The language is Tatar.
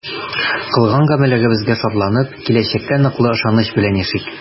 Кылган гамәлләребезгә шатланып, киләчәккә ныклы ышаныч белән яшик!